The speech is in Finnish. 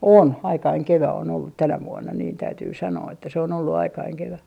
on aikainen kevät on ollut tänä vuonna niin täytyy sanoa että se on ollut aikainen kevät